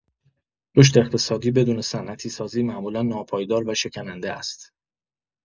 رشد اقتصادی بدون صنعتی‌سازی معمولا ناپایدار و شکننده است.